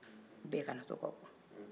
bɛɛ kana to ka bɔ